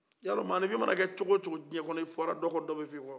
ya dɔ maanifin mana kɛ cogo o cogo dunuya i fɔra dɔ kɔ dɔw bɛ fɔ i kɔ